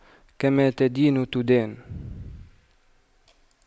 كما تدين تدان